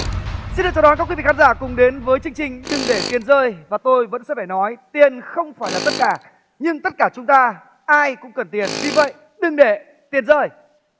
xin được chào đón các quý vị khán giả cùng đến với chương trình đừng để tiền rơi và tôi vẫn sẽ phải nói tiền không phải là tất cả nhưng tất cả chúng ta ai cũng cần tiền vì vậy đừng để tiền rơi